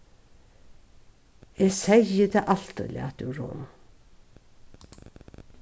eg segði tað altíð læt úr honum